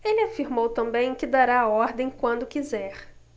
ele afirmou também que dará a ordem quando quiser